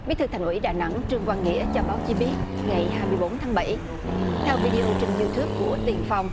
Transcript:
bí thư thành ủy đà nẵng trương quang nghĩa cho báo chí biết ngày hai mươi bốn tháng bảy theo vi đi ô trên iu tút của tiền phong